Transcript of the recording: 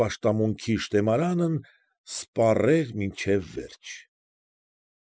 Պաշտամունքի շտեմարանն սպառեր մինչև վերջը։